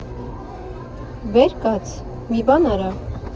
Վեր կաց, մի բան արա։